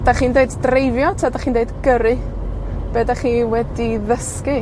'dach chi'n deud dreifio? 'Ta 'dych chi'n deud gyrru? Be' 'dach chi wedi ddysgu?